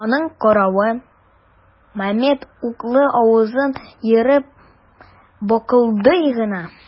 Аның каравы, Мамед углы авызын ерып быкылдый гына.